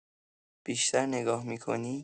بیشتر نگاه می‌کنی.